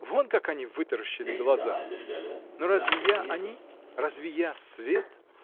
— Вон как они вытаращили глаза! Но разве я — они? Разве я — свет?